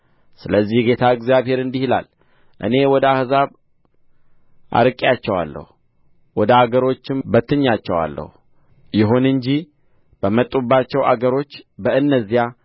ስለዚህ ጌታ እግዚአብሔር እንዲህ ይላል እኔ ወደ አሕዛብ አርቄአቸዋለሁ ወደ አገሮችም በትኛቸዋለሁ ይሁን እንጂ በመጡባቸው አገሮች በእነዚያ